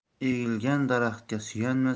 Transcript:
egilgan daraxtga suyanma